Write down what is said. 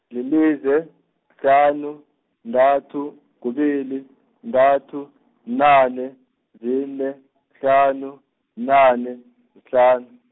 lilize, kuhlanu, -ntathu, kubili, -ntathu, bunane, zine, kuhlanu, bunane, kuhlanu.